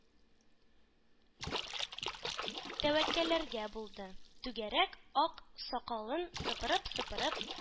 Тәвәккәлләргә булды – түгәрәк ак сакалын сыптырып-сыптырып,